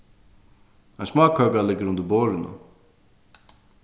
ein smákøka liggur undir borðinum